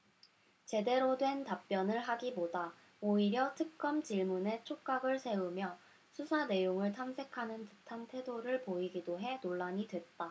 제대로 된 답변을 하기보다 오히려 특검 질문에 촉각을 세우며 수사 내용을 탐색하는 듯한 태도를 보이기도 해 논란이 됐다